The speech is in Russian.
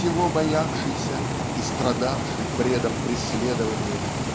всего боявшийся и страдавший бредом преследования